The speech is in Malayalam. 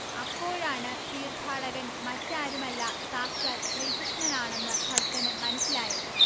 അപ്പോഴാണ് തീർത്ഥാടകൻ മറ്റാരുമല്ല സാക്ഷാൽ ശ്രീകൃഷ്ണനാണെന്ന് ഭക്തന് മനസ്സിലായത്